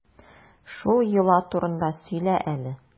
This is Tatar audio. Шул йола турында сөйлә әле.